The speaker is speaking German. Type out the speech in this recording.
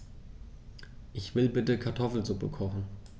Ich will bitte Kartoffelsuppe kochen.